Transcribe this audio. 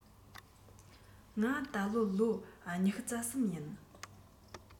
ང ད ལོ ལོ ཉི ཤུ རྩ གསུམ ཡིན